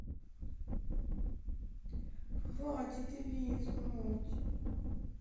хватит виснуть